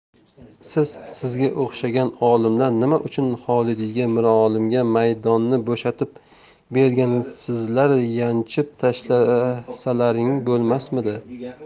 siz sizga o'xshagan olimlar nima uchun xolidiyga mirolimga maydonni bo'shatib bergansizlar yanchib tashlasalaring bo'lmasmidi